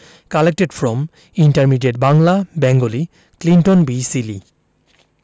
collected from intermediate Bangla Bengali Clinton B Seely